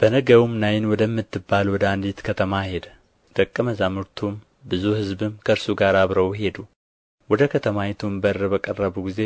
በነገውም ናይን ወደምትባል ወደ አንዲት ከተማ ሄደ ደቀ መዛሙርቱም ብዙ ሕዝብም ከእርሱ ጋር አብረው ሄዱ ወደ ከተማይቱም በር በቀረበ ጊዜ